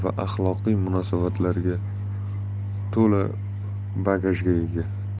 va axloqiy munosabatlarga to'la bagajga ega